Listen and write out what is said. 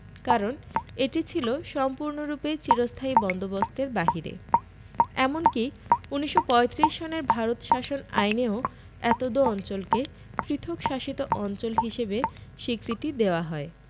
কারণ এটি ছিল সম্পূর্ণরূপে চিরস্থায়ী বন্দোবস্তের বাহিরে এমনকি ১৯৩৫ সনের ভারত শাসন আইনেও এতদ অঞ্চলকে পৃথক শাসিত অঞ্চল হিসেবে স্বীকৃতি দেয়া হয়